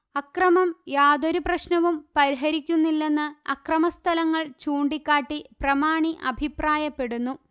അക്രമം യാതൊരു പ്രശ്നവും പരിഹരിക്കുന്നില്ലെന്ന ്അക്രമ സ്ഥലങ്ങൾ ചൂണ്ടിക്കാട്ടി പ്രമാണി അഭിപ്രായപ്പെടുന്നു